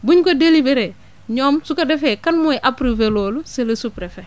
buñ ko délibéré ñoom su ko defee kan mooy approuvé loolu c' est le sous-préfët